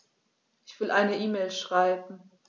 Ich will eine E-Mail schreiben.